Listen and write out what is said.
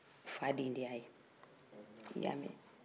a fa den de y'a ye i y'a mɛn